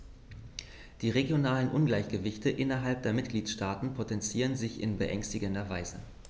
Die regionalen Ungleichgewichte innerhalb der Mitgliedstaaten potenzieren sich in beängstigender Weise.